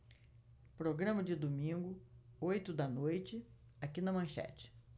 programa de domingo oito da noite aqui na manchete